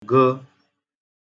-gə̣